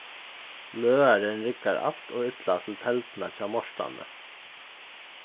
løðarin riggar alt ov illa til telduna hjá mortani